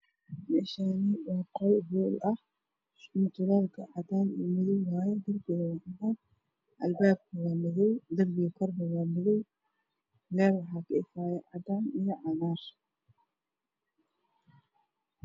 Meshaani waa hool ah mutuleelka caadan iyo madoow waye dhulkuna waa cadan albabka waa madoow drbiga kor na waa madoow leer waxaa ka ifaaya cadan iyo cagaar